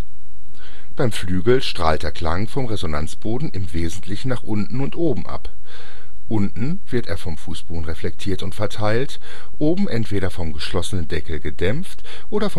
Beim Flügel strahlt der Klang vom Resonanzboden im wesentlichen nach unten und oben ab. Unten wird er vom Fußboden reflektiert und verteilt, oben entweder vom geschlossenen Deckel gedämpft oder